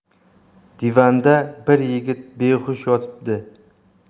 divanda bir yigit behush yotibdi